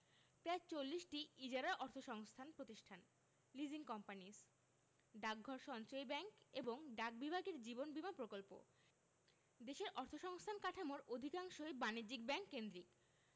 প্রায় ৪০টি ইজারা অর্থসংস্থান প্রতিষ্ঠান লিজিং কোম্পানিস ডাকঘর সঞ্চয়ী ব্যাংক এবং ডাক বিভাগের জীবন বীমা প্রকল্প দেশের অর্থসংস্থান কাঠামোর অধিকাংশই বাণিজ্যিক ব্যাংক কেন্দ্রিক